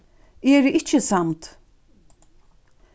eg eri ikki samd